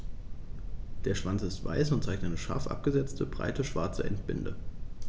Der Schwanz ist weiß und zeigt eine scharf abgesetzte, breite schwarze Endbinde.